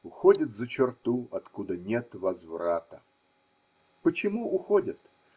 Уходят за черту, откуда нет возврата. Почему уходят?